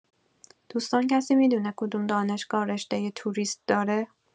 دوستان کسی می‌دونه کدوم دانشگاه رشته توریست داره؟